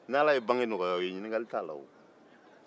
n'ala ye bange nɔgɔya aw ye ɲininkali t'a la o